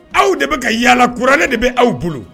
Aw de bɛ ka yaala kura ale de bɛ aw bolo